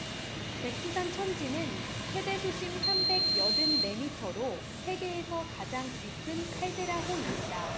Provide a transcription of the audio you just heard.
백두산 천지는 최대 수심 삼백 여든 네 미터로 세계에서 가장 깊은 칼데라 호입니다